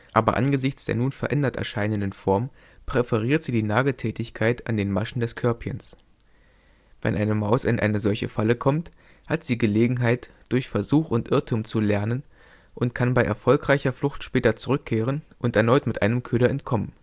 aber angesichts der nun verändert erscheinenden Form präferiert sie die Nagetätigkeit an den Maschen des Körbchens. Wenn eine Maus in eine solche Falle kommt, hat sie Gelegenheit, durch Versuch und Irrtum zu lernen, und kann bei erfolgreicher Flucht später zurückkehren und erneut mit einem Köder entkommen